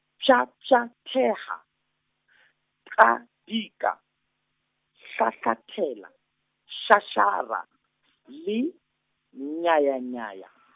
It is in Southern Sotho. Pjhapjhatheha , qadika, hlahlathela, shashara le, nyayanyaya.